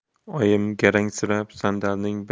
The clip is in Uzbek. oyim garangsib sandalning